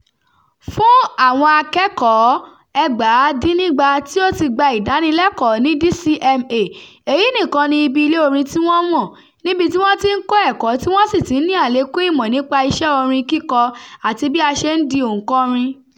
Fún àwọn akẹ́kọ̀ọ́ 1,800 tí ó ti gba ìdánilẹ́kọọ́ ní DCMA, èyí nìkan ni ibi ilé orin tí wọ́n mọ̀, níbi tí wọ́n ti ń kọ́ ẹ̀kọ́ tí wọ́n sì ti ń ní àlékún ìmọ̀ nípa iṣẹ́ orin kíkọ àti bí a ṣe ń di òǹkọrin.